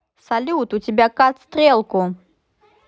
салют у тебя cut стрелку